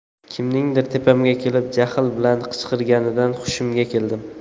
kimningdir tepamga kelib jahl bilan qichqirganidan hushimga keldim